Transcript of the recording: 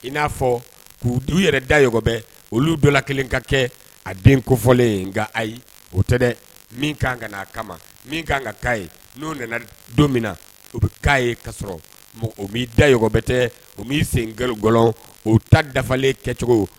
I n'a fɔ k'u du yɛrɛ daybɛ olu dɔ la kelen ka kɛ a den kofɔlen nka ayi ye o tɛ dɛ min ka ka' aa kama min ka kan ka' ye n'o nana don min na o bɛ k' ye kasɔrɔ o dabɛ tɛ u'i sen gakɔlɔ o ta dafalen kɛcogo